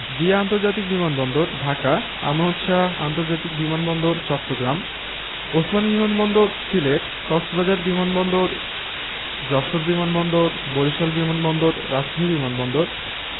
জিয়া আন্তর্জাতিক বিমান বন্দর ঢাকা আমানত শাহ্ আন্তর্জাতিক বিমান বন্দর চট্টগ্রাম ওসমানী বিমান বন্দর সিলেট কক্সবাজার বিমান বন্দর যশোর বিমান বন্দর বরিশাল বিমান বন্দর রাজশাহী বিমান বন্দর